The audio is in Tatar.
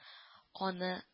Аны